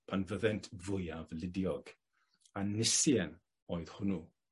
pan fyddent fwyaf ludiog, a Nisien oedd hwnnw.